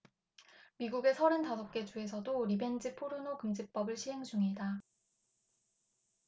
미국의 서른 다섯 개 주에서도 리벤지 포르노 금지법을 시행중이다